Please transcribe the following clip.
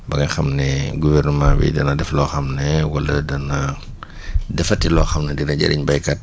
ba nga xam ne gouvernement bi dina def loo xam ne wala dana defati loo xam ne dina jëriñ béykat